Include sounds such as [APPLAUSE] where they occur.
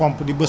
[HESITATION] [HESITATION]